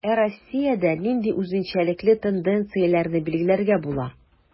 Ә Россиядә нинди үзенчәлекле тенденцияләрне билгеләргә була?